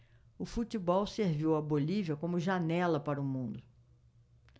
o futebol serviu à bolívia como janela para o mundo